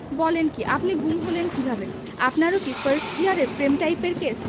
বলেন কী আপনি গুম হলেন কীভাবে আপনারও কি ফার্স্ট ইয়ারের প্রেম টাইপের কেস